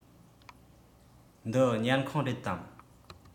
འདི ཉལ ཁང རེད དམ